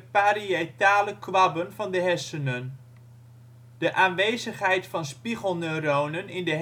pariëtale kwabben van de hersenen. De aanwezigheid van spiegelneuronen in de